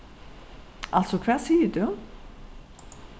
altso hvat sigur tú